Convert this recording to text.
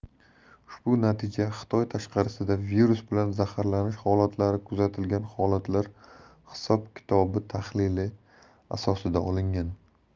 ushbu natija xitoy tashqarisida virus bilan zararlanish holatlari kuzatilgan holatlar hisob kitobi tahlili asosida olingan